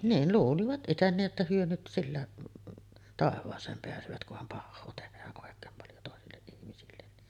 niin luulivat itse niin että he nyt sillä taivaaseen pääsevät kunhan pahaa tehdään oikein paljon toisille ihmisille niin